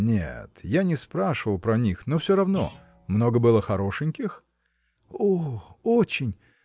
– Нет, я не спрашивал про них; но все равно – много было хорошеньких? – О, очень.